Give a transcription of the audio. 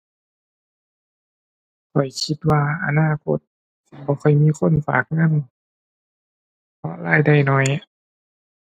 ข้อยคิดว่าอนาคตสิบ่ค่อยมีคนเงินฝากเงิน เพราะรายได้น้อย